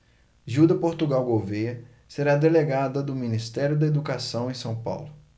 gilda portugal gouvêa será delegada do ministério da educação em são paulo